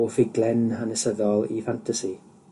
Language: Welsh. o ffuglen hanesyddol i ffantasi,